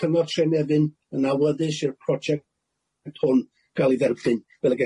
cyngor Tref Nefyn yn awyddus i'r project hwn ga'l ei dderbyn fel y